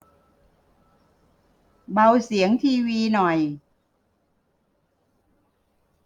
เบาเสียงทีวีหน่อย